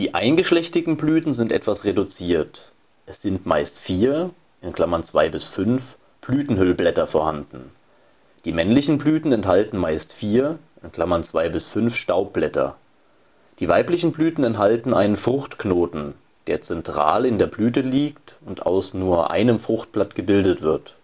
eingeschlechtigen Blüten sind etwas reduziert. Es sind meist vier (zwei bis fünf) Blütenhüllblätter vorhanden. Die männlichen Blüten enthalten meist vier (zwei bis fünf) Staubblätter. Die weiblichen Blüten enthalten einen Fruchtknoten, der zentral in der Blüte liegt und aus nur einem Fruchtblatt gebildet wird